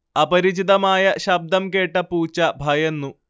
അപരിചിതമായ ശബ്ദം കേട്ട പൂച്ച ഭയന്നു